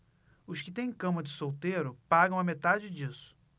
os que têm cama de solteiro pagam a metade disso